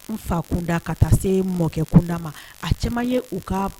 Fa kun se mɔ a u ka